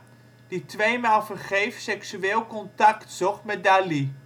tweemaal vergeefs seksueel contact zocht met Dali